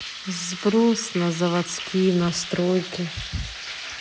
сброс на заводские настройки